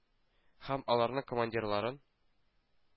Һәм аларның командирларын